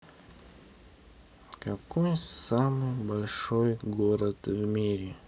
какой самый большой город в мире